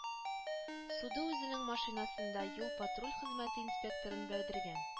Суды үзенең машинасында юл-патруль хезмәте инспекторын бәрдергән